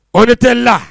O de tɛ la